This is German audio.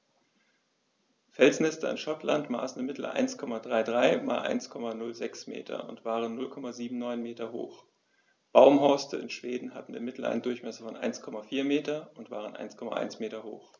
Felsnester in Schottland maßen im Mittel 1,33 m x 1,06 m und waren 0,79 m hoch, Baumhorste in Schweden hatten im Mittel einen Durchmesser von 1,4 m und waren 1,1 m hoch.